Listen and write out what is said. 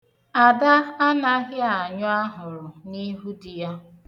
Ada anaghị anyụ ahụrụ n'ihu di ya.